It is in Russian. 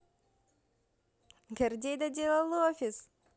гордей доделал офис